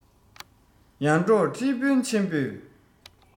ཡར འབྲོག ཁྲི དཔོན ཆེན པོས